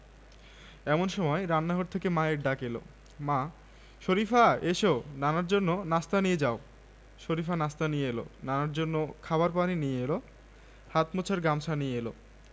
এমন সময় রান্নাঘর থেকে মায়ের ডাক এলো মা শরিফা এসো নানার জন্য নাশতা নিয়ে যাও শরিফা নাশতা নিয়ে এলো নানার জন্য খাবার পানি নিয়ে এলো হাত মোছার গামছা নিয়ে এলো